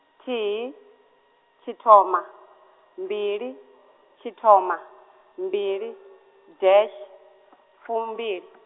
thihi, tshi thoma, mbili , tshi thoma, mbili, dash, fumbili.